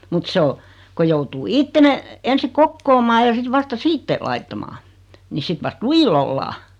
mutta se on kun joutuu itse ne ensin kokoamaan ja sitten vasta sitten laittamaan niin sitten vasta lujilla ollaan